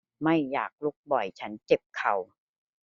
ไม่อยากลุกบ่อยฉันเจ็บเข่า